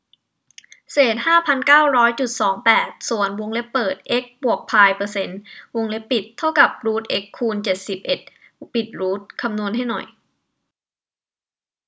เศษห้าพันเก้าร้อยจุดสองแปดส่วนวงเล็บเปิดเอ็กซ์บวกพายเปอร์เซ็นต์วงเล็บปิดเท่ากับรูทเอ็กซ์คูณเจ็ดสิบเอ็ดจบรูทคำนวณให้หน่อย